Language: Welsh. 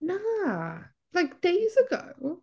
Na like days ago.